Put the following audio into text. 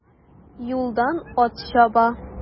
Юлдан ат чаба.